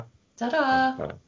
Ta-ra.